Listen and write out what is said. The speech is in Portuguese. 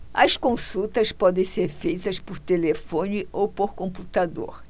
as consultas podem ser feitas por telefone ou por computador